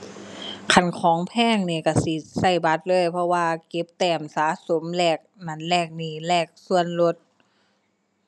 คันของแพงนี่ก็สิก็บัตรเลย เพราะว่าเก็บแต้มสะสม แลกนั่น แลกนี่ แลกส่วนลด